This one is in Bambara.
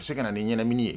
bɛ se ka na ni ɲanamini ye.